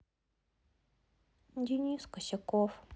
денис косяков